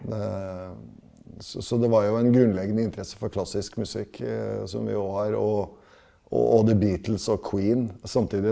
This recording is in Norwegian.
det så så det var jo en grunnleggende interesse for klassisk musikk som vi jo har og og The Beatles og Queen samtidig.